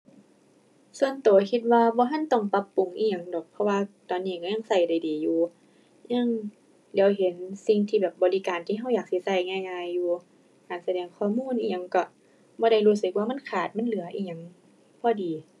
ส่วนตัวคิดว่าบ่ทันต้องปรับปรุงอิหยังดอก เพราะว่าตอนนี้ตัวยังตัวได้ดีอยู่ ยังเหลียวเห็นสิ่งที่แบบบริการที่ตัวอยากสิตัวง่ายง่ายอยู่ การแสดงข้อมูลอิหยังตัวบ่ได้รู้สึกว่ามันขาด มันเหลืออิหยัง พอดี